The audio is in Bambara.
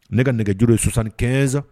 Ne ka nɛgɛj ye susan kɛsan